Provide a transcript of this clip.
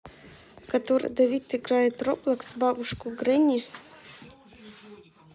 который давид играет roblox бабушку гренни